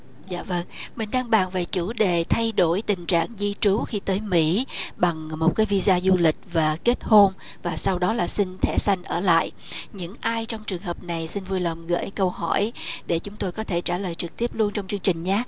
dạ vâng mình đang bàn về chủ đề thay đổi tình trạng di trú khi tới mỹ bằng một cái vi da du lịch và kết hôn và sau đó là xin thẻ xanh ở lại những ai trong trường hợp này xin vui lòng gửi câu hỏi để chúng tôi có thể trả lời trực tiếp lun trong chương trình nhá